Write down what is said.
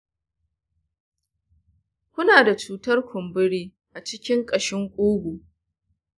kana da cutar kumburi a cikin ƙashin ƙugu.